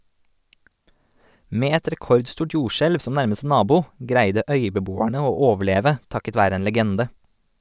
Med et rekordstort jordskjelv som nærmeste nabo, greide øybeboerne å overleve takket være en legende.